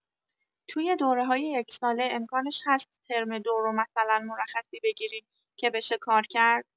توی دوره‌های یک‌ساله امکانش هست ترم ۲ رو مثلا مرخصی بگیریم که بشه کار کرد؟